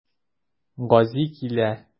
Гази килә.